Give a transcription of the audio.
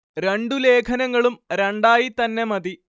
രണ്ടു ലേഖനങ്ങളും രണ്ടായി തന്നെ മതി